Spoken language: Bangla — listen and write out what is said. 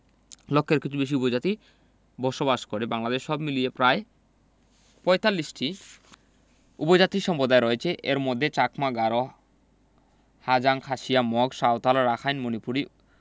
লক্ষের কিছু বেশি উপজাতি বসবাস করে বাংলাদেশে সব মিলিয়ে প্রায় ৪৫টি উপজাতীয় সম্প্রদায় রয়েছে এদের মধ্যে চাকমা গারো হাজাং খাসিয়া মগ সাঁওতাল রাখাইন মণিপুরী